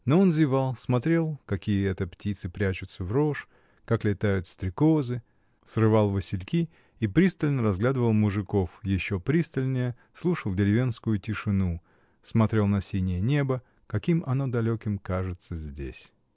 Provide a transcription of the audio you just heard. Но он зевал, смотрел, какие это птицы прячутся в рожь, как летают стрекозы, срывал васильки и пристально разглядывал мужиков, еще пристальнее слушал деревенскую тишину, смотрел на синее небо, каким оно далеким кажется здесь.